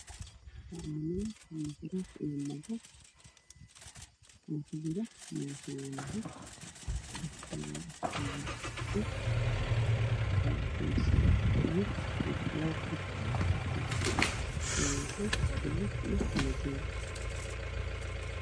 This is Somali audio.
Waa niman oo ku jiraan qol oo wataan suud madow buluug oo uu ku jiro madaxweynaha soomaaliya